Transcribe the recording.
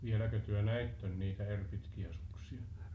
vieläkö te näitte niitä eri pitkiä suksia